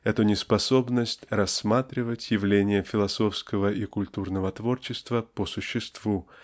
эту неспособность рассматривать явления философского и культурного творчества по существу